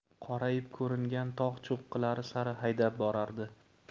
qorayib ko'ringan tog' cho'qqilari sari haydab borardi